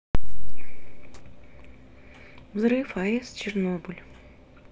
взрыв аэс чернобыль